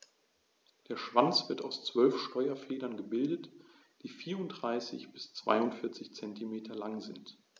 Der Schwanz wird aus 12 Steuerfedern gebildet, die 34 bis 42 cm lang sind.